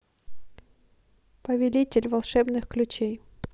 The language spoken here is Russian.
повелитель волшебных ключей